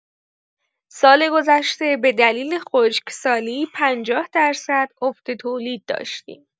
سال‌گذشته به دلیل خشکسالی ۵۰ درصد افت تولید داشتیم.